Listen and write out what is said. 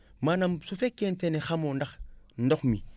maanaam su fekkente ne xamoo ndax ndox mi